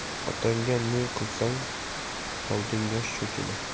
otangga ne qilsang oldingga shu kelar